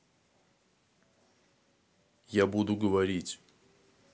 я буду говорить